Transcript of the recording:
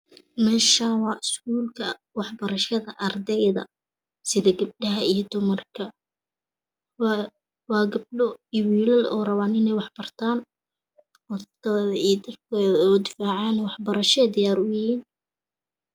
Meeshaan waa scoolka waxabarashada ardayda sida gabdhaha iyo dumarka waa gabdho iyo wiilal oo rabaan inay wax bartaan naftooda iyo dadkooda difacaan waxbarashey diyaar u yihiin